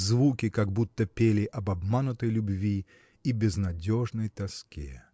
звуки как будто пели об обманутой любви и безнадежной тоске.